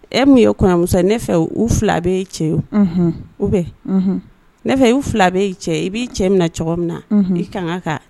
E min ye kɔɲɔmuso ye ne fɛ u fila bɛ cɛ o u bɛɛ ne fɛ u fila bɛ'i cɛ i b'i cɛ min na cogo min na i ka kan kan